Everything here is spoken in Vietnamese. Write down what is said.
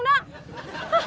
giờ